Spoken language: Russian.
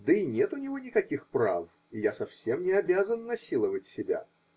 Да и нет у него никаких прав, и я совсем не обязан насиловать себя.